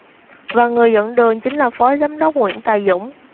và người dẫn đường chính là phó giám đốc nguyễn tài dũng